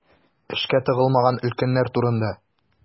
Эшкә тыгылмаган өлкәннәр турында.